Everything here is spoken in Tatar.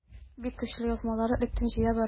Бик көчле язмаларны электән җыя барам.